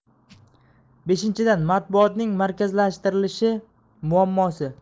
beshinchidan matbuotning markazlashtirilishi muammosi